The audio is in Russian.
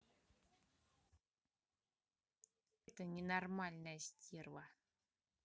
а это ненормальная стерва